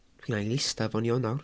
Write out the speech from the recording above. Dwi'n ail ista fo'n Ionawr.